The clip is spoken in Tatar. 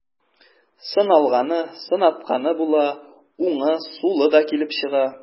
Сыналганы, сынатканы була, уңы, сулы да килеп чыга.